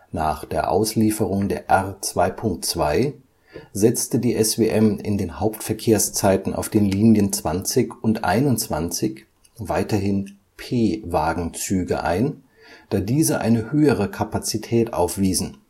Nach der Auslieferung der R 2.2 setzte die SWM in den Hauptverkehrszeiten auf den Linien 20 und 21 weiterhin P-Wagen-Züge ein, da diese eine höhere Kapazität aufwiesen